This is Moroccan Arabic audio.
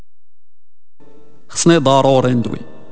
ضروري